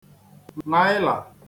naịlà